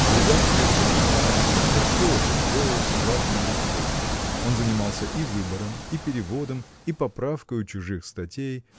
В редакции журнала Александр тоже сделался важным лицом. Он занимался и выбором и переводом и поправкою чужих статей